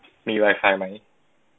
มีไวไฟไหม